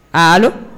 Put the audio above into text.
Haa